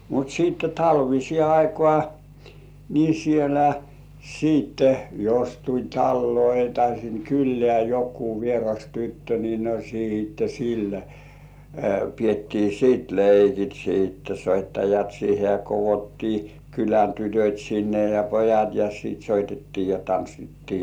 mutta sitten talviseen aikaan niin siellä sitten jos tuli taloihin tai sinne kylään joku vieras tyttö niin no sitten sillä pidettiin sitten leikit sitten soittajat siihen ja koottiin kylän tytöt sinne ja pojat ja sitten soitettiin ja tanssittiin